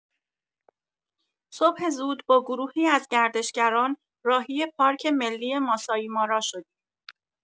صبح زود، با گروهی از گردشگران راهی پارک ملی ماسایی مارا شدیم.